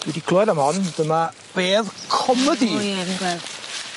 Dwi 'di clywed am 'on dyma bedd comedi. O ie fi'n gweld.